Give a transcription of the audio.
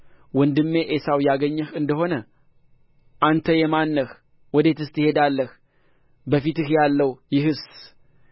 ወንድሜ ዔሳው ያገኘህ እንደሆነ አንተ የማን ነህ ወዴትስ ትሄዳለህ በፊትህ ያለው ይህስ